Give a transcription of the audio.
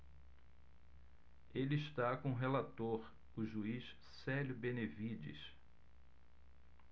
ele está com o relator o juiz célio benevides